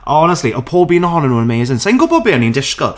Honestly, oedd pob un ohonyn nhw'n amazing.. Sa i'n gwbod be' o'n i'n disgwyl.